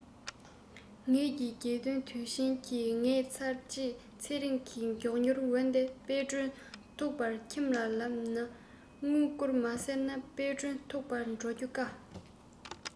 ངས ཀྱི རྒྱལ སྟོན དུས ཆེན གྱི ངལ ཚར རྗེས ཚེ རིང གི མགྱོགས མྱུར འོན ཏེ དཔལ སྒྲོན ཐུགས པར ཁྱིམ ལ ལབ ནས དངུལ བསྐུར མ ཟེར ན དཔལ སྒྲོན ཐུགས པར འགྲོ རྒྱུ དཀའ